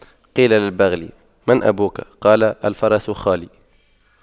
قيل للبغل من أبوك قال الفرس خالي